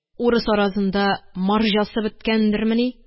Урыс арасында марҗасы беткәндермени?